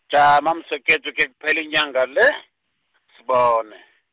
jama mswekhethu khekuphele inyanga le, sibone.